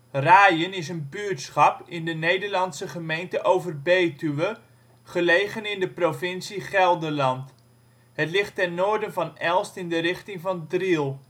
Raayen is een buurtschap in de Nederlandse gemeente Overbetuwe, gelegen in de provincie Gelderland. Het ligt ten noorden van Elst in de richting van Driel